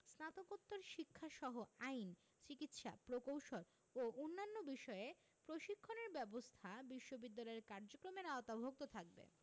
স্নাতকোত্তর শিক্ষাসহ আইন চিকিৎসা প্রকৌশল ও অন্যান্য বিষয়ে প্রশিক্ষণের ব্যবস্থা বিশ্ববিদ্যালয়ের কার্যক্রমের আওতাভুক্ত থাকবে